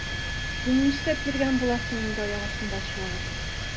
Син нишләп йөргән буласың инде аяк астында чуалып?